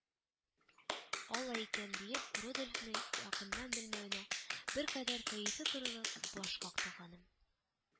Алай икән диеп, Рудольфны якыннан белмәвемә беркадәр кәефе кырылып, баш какты ханым